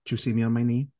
Do you see me on my knee?